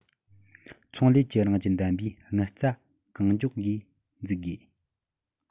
ཚོང ལས ཀྱི རང བཞིན ལྡན པའི དངུལ རྩ གང མགྱོགས སྒོས འཛུགས དགོས